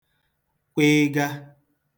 kwịịga